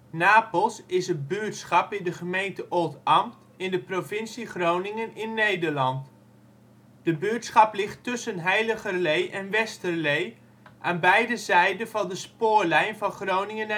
Napels is een buurtschap in de gemeente Oldambt in de provincie Groningen (Nederland). De buurtschap ligt tussen Heiligerlee en Westerlee, aan beide zijden van de spoorlijn van Groningen